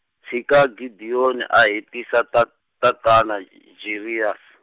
tshika Gideon a hetisa tat- tatana, J- Jairus.